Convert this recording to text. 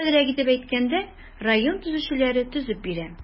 Төгәлрәк итеп әйткәндә, район төзүчеләре төзеп бирә.